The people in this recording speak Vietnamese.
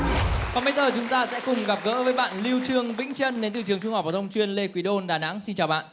còn bây giờ chúng ta sẽ cùng gặp gỡ với bạn lưu trương vĩnh trân đến từ trường trung học phổ thông chuyên lê quý đôn đà nẵng xin chào bạn